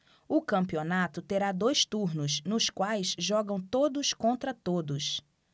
o campeonato terá dois turnos nos quais jogam todos contra todos